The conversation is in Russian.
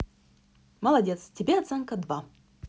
молодец тебе оценка два